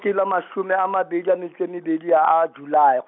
ke la mashome a mabedi a metso e mebedi a a July.